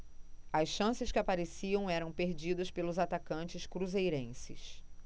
as chances que apareciam eram perdidas pelos atacantes cruzeirenses